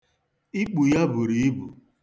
Ikpu ya buru ibu.